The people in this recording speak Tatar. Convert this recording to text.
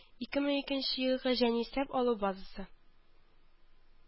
Ике мең икенче елгы җанисәп алу базасы